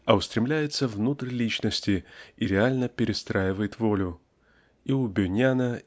а устремляется внутрь личности и реально перестраивает волю. И у БЁниана